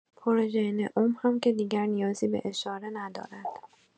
پروژه نئوم هم که دیگر نیازی به اشاره ندارد.